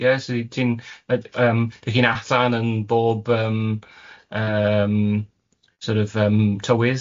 Ie so ti'n yy ymm dych chi'n athan yn bob ymm ymm sort of ymm tywydd?